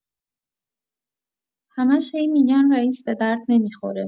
همیشه هی می‌گن رئیس بدرد نمی‌خوره.